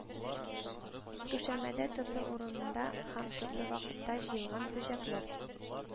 Түшәмәдә төрле урында һәм төрле вакытта җыелган бөҗәкләр